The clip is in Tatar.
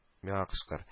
Миңа кычкыр: